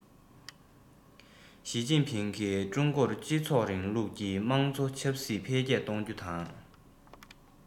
ཞིས ཅིན ཕིང གིས ཀྲུང གོར སྤྱི ཚོགས རིང ལུགས ཀྱི དམངས གཙོ ཆབ སྲིད འཕེལ རྒྱས གཏོང རྒྱུ དང